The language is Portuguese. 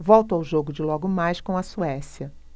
volto ao jogo de logo mais com a suécia